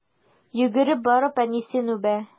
Йөгереп барып әнисен үбә.